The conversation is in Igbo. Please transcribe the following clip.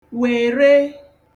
wère